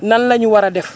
nan la ñu war a def